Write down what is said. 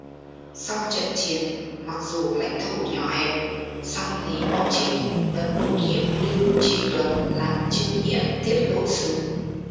sau trận chiến mặc dù lãnh thổ nhỏ hẹp song lý mậu trinh vẫn bổ nhiệm lưu tri tuấn làm chương nghĩa tiết độ sứ